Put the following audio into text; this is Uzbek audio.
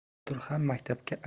bultur ham maktabga